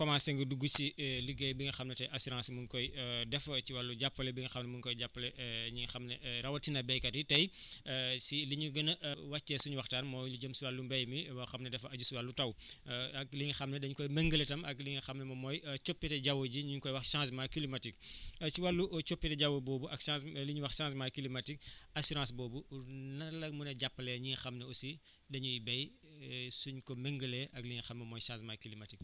commencé nga dugg ci liggéey bi nga xam ne tey assurance mu ngi koy def ci wàllu jàppale bi nga xma ne mu ngi koy jàppale ñi nga xam ne rawatina béykat yi tey si li ñu gën a wàccee suñu waxtaan mooy lu jëm si wàllu mbéy mi loo xam ne dafa aju si wàllu taw ak li nga xam ne dañu koy méngale i tam ak li nga xam ne moom mooy coppite jaww ji ñu ngi koy wax changement climatique si wàllu coppite jaww boobu ak chang li ñuy wax changement climatique assurance boobu nan la mën a jàppalee ñi nga xam ne aussi dañuy béy suñu ko méngalee ak li nga xam moom mooy changement climatique